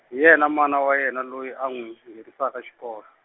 hi yena mana wa yena loyi a n'wi nghenisaka xikol-.